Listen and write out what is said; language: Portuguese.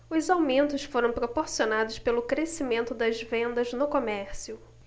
os aumentos foram proporcionados pelo crescimento das vendas no comércio